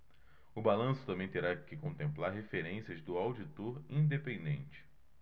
o balanço também terá que contemplar referências do auditor independente